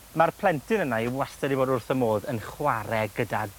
Ma'r plentyn yna' i wastad 'di fod wrth 'ym modd yn chware gyda